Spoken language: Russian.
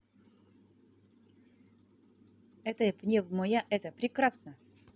это внемоя это прекрасно